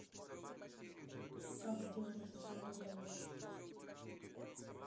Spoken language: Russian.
как сделать аксессуары для лол